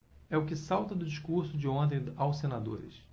é o que salta do discurso de ontem aos senadores